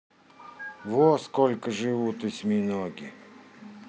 во сколько живут осьминоги